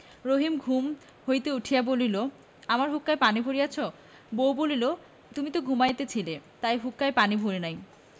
রহিম ঘুম হইতে উঠিয়া বলিল আমার হুঁকায় পানি ভরিয়াছ বউ বলিল তুমি তো ঘুমাইতেছিলে তাই হুঁকায় পানি ভরি নাই